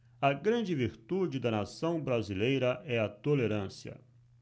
a grande virtude da nação brasileira é a tolerância